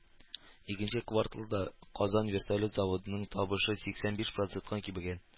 Икенче кварталда Казан вертолет заводының табышы сиксән биш процентка кимегән